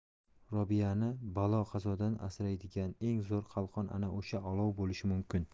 robiyani balo qazodan asraydigan eng zo'r qalqon ana o'sha olov bo'lishi mumkin